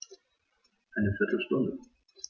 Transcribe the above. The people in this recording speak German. Eine viertel Stunde